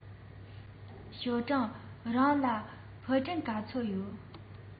ཞའོ ཀྲང རང ལ ཕུ འདྲེན ག ཚོད ཡོད